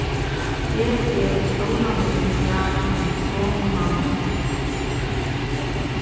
her er í stóran mun talan um somu manning